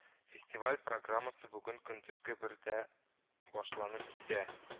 Фестиваль программасы бүген көндезге бер дә башланып китә